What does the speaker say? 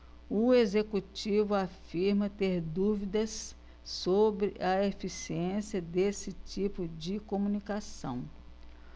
o executivo afirma ter dúvidas sobre a eficiência desse tipo de comunicação